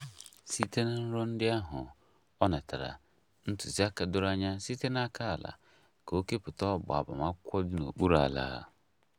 Site na nrọ ndị ahụ, ọ natara ntụziaka doro anya site n'aka Allah ka o kepụta ọgba agbamakwụkwọ dị n'okpuru ala.